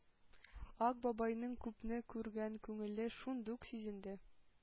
Ак бабайның күпне күргән күңеле шундук сизенде.